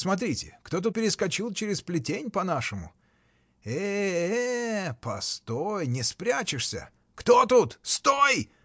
Смотрите, кто-то перескочил через плетень: по-нашему! Э, э, постой, не спрячешься. Кто тут? Стой!